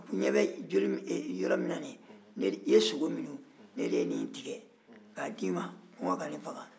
i ɲɛ bɛ joli min na nin ye ne de ye nin tigɛ k'a d'i ma kɔngɔ kana i faga